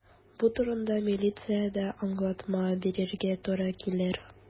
Бу турыда милициядә аңлатма бирергә туры килер.